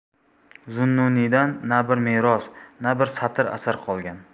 zunnuniydan na bir meros na bir satr asar qolgan